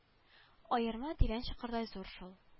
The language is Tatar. Аерма тирән чокырдай зур шул